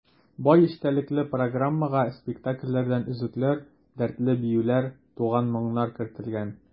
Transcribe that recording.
Бай эчтәлекле программага спектакльләрдән өзекләр, дәртле биюләр, туган моңнар кертелгән.